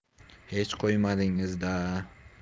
hech qo'ymadingiz da